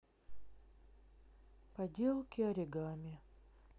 поделки оригами